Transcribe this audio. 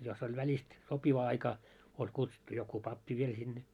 jos oli välistä sopiva aika oli kutsuttu joku pappi vielä sinne